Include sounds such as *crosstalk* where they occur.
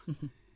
*hesitation* *hesitation*